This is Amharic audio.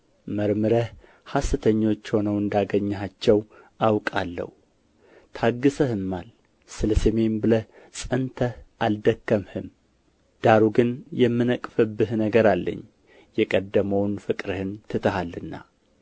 መርምረህ ሐሰተኞች ሆነው እንዳገኘሃቸው አውቃለሁ ታግሠህማል ስለ ስሜም ብለህ ጸንተህ አልደከምህም ዳሩ ግን የምነቅፍብህ ነገር አለኝ የቀደመውን ፍቅርህን ትተሃልና